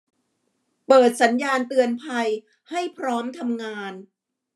เปิดสัญญาณเตือนภัยให้พร้อมทำงาน